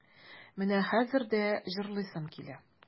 Менә хәзер дә җырлыйсым килә.